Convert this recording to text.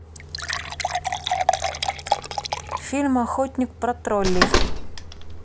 фильм охотник про троллей